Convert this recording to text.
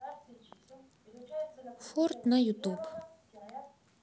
форд на ютуб